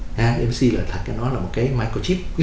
a em ét xi thật ra nó là một cái mai cờ rô chíp